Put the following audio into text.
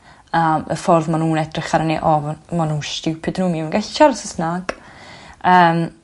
a y ffordd ma' nw'n edrych arnyn ni o ma' ma' nw'n stiwpid 'dyn nw'm yn even gallu siarad Sysnag. Yym.